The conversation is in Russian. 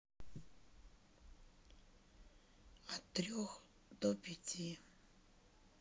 от трех до пяти